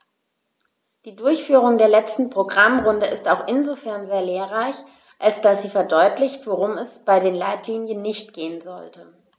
Die Durchführung der letzten Programmrunde ist auch insofern sehr lehrreich, als dass sie verdeutlicht, worum es bei den Leitlinien nicht gehen sollte.